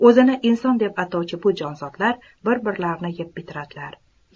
o'zini inson deb atovchi bu jonzotlar bir birlarini yeb bitiradilar